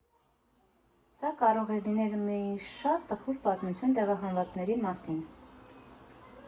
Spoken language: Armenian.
Սա կարող էր լինել մի շատ տխուր պատմություն տեղահանվածների մասին։